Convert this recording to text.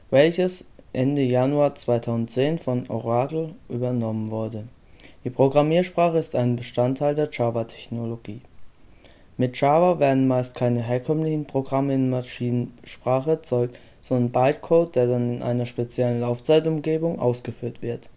welches Ende Januar 2010 von Oracle übernommen wurde. Die Programmiersprache ist ein Bestandteil der Java-Technologie. Mit Java werden meist keine herkömmlichen Programme in Maschinensprache erzeugt, sondern Bytecode, der dann in einer speziellen Laufzeitumgebung ausgeführt wird